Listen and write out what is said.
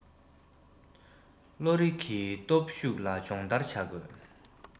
བློ རི གི སྟོབས ཤུགས ལ སྦྱོང བརྡར བྱ དགོས